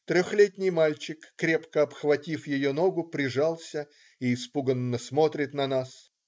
Трехлетний мальчик, крепко обхватив ее ногу, прижался и испуганно смотрит на нас.